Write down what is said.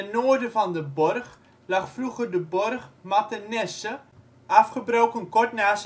noorden van de borg lag vroeger de borg Mathenesse (afgebroken kort na